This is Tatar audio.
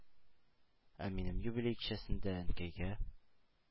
Ә минем юбилей кичәсендә Әнкәйгә,